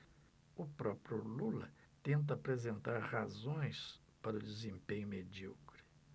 o próprio lula tenta apresentar razões para o desempenho medíocre